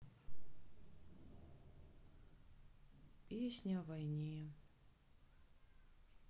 песни о войне